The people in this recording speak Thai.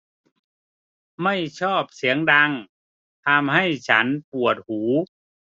ไม่ชอบเสียงดังทำให้ฉันปวดหู